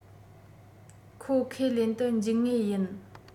ཁོ ཁས ལེན དུ འཇུག ངེས ཡིན